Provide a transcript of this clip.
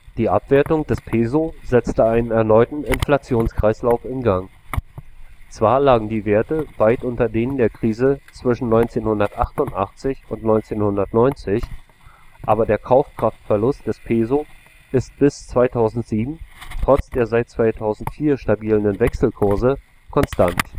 Die Abwertung des Peso setzte einen erneuten Inflationskreislauf in Gang. Zwar lagen die Werte weit unter denen der Krise zwischen 1988 und 1990, aber der Kaufkraftverlust des Peso ist bis 2007 trotz der seit 2004 stabilen Wechselkurse konstant